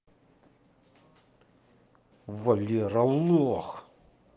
валера лох